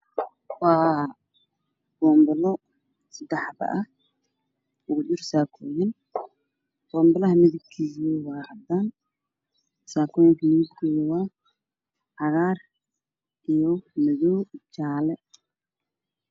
Waa boon balo saddex xabo ah ugu jirto saakooyin boon balaha midab kiisu waa cadaan saakooyin midab koodu waa cagaar iyo madow jaale